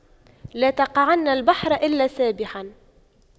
لا تقعن البحر إلا سابحا